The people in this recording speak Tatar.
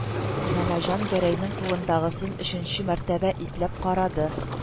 Намаҗан Гәрәйнең кулындагысын өченче мәртәбә ипләп карады